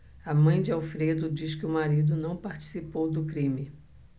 a mãe de alfredo diz que o marido não participou do crime